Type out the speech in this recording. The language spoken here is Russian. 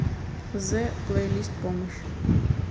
the плейлист помощь